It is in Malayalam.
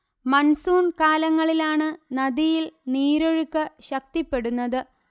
മൺസൂൺ കാലങ്ങളിലാണ് നദിയിൽ നീരൊഴുക്ക് ശക്തിപ്പെടുന്നത്